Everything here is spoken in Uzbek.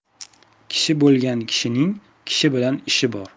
kishi bo'lgan kishining kishi bilan ishi bor